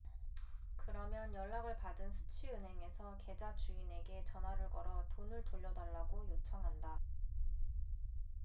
그러면 연락을 받은 수취 은행에서 계좌 주인에게 전화를 걸어 돈을 돌려 달라고 요청한다